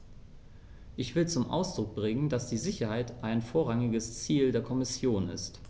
Ich will zum Ausdruck bringen, dass die Sicherheit ein vorrangiges Ziel der Kommission ist.